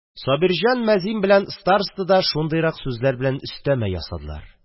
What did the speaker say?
Сабирҗан мәзин белән староста да шундыйрак сүзләр белән өстәмә ясадылар.